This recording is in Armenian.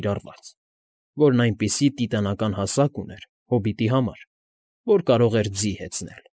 Կիրառված, որն այնպիսի տիտանական հասակ ուներ (հոբիտի համար), որ կարող էր ձի հեծնել։